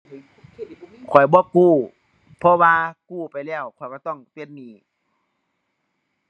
ข้อยบ่กู้ เพราะว่ากู้ไปแล้วข้อยก็ต้องเป็นหนี้